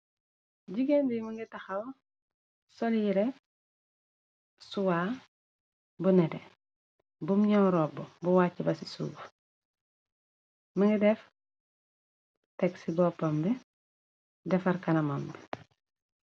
Jigéen bi mi nge taxaw solyere suwa bu nete bum ñow ropb bu wàcc ba ci suuf më nga def teg ci goppambe defar kanamom bi.